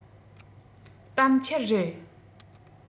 གཏམ འཁྱལ རེད